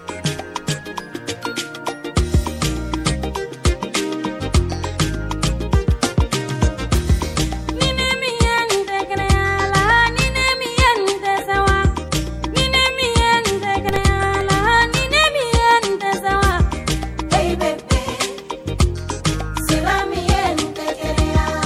Se yo